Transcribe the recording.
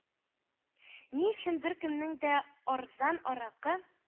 Ни өчен беркемнең дә арзан аракы